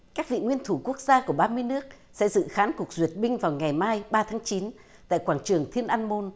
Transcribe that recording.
các vị nguyên thủ quốc gia của ba mươi nước sẽ dự khán cuộc duyệt binh vào ngày mai ba tháng chín tại quảng trường thiên an môn